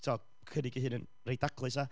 tibod cynnig ei hun yn reit daclus ia,